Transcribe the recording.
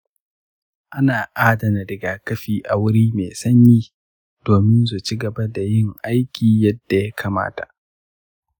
ana adana rigakafi a wuri mai sanyi domin su ci gaba da yin aiki yadda ya kamata.